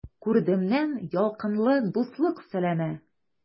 Күрдемнән ялкынлы дуслык сәламе!